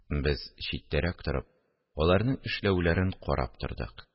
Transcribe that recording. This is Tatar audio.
Без читтәрәк торып аларның эшләүләрен карап тордык